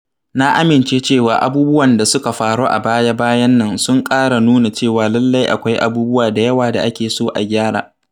Na amince cewa abubuwan da suka faru a baya-bayan nan sun ƙara nuna cewa lallai akwai abubuwa da yawa da ake so a gyara.